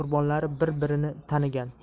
uning qurbonlari bir birini tanigan